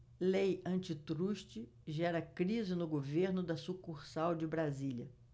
lei antitruste gera crise no governo da sucursal de brasília